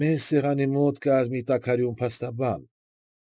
Մեր սեղանի մոտ կար մի տաքարյուն փաստաբան։